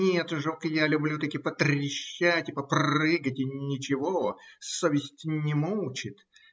– Нет, жук, я люблю-таки потрещать и попрыгать, и ничего! Совесть не мучит!